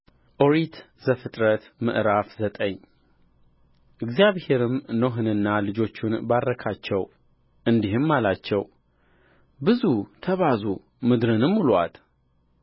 ኦሪት ዘፍጥረት ምዕራፍ ዘጠኝ እግዚአብሔርም ኖኅንና ልጆቹን ባረካቸው እንዲህም አላቸው ብዙ ተባዙ ምድርንም ሙሉአት